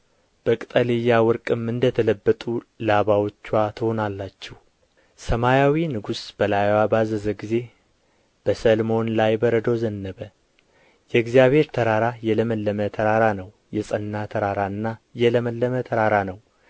በቅጠልያ ወርቅም እንደ ተለበጡ ላባዎችዋ ትሆናላችሁ ሰማያዊ ንጉሥ በላይዋ ባዘዘ ጊዜ በሰልሞን ላይ በረዶ ዘነበ የእግዚአብሔር ተራራ የለመለመ ተራራ ነው የጸና ተራራና የለመለመ ተራራ ነው